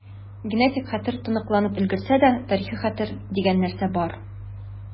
Генетик хәтер тоныкланып өлгерсә дә, тарихи хәтер дигән нәрсә бар.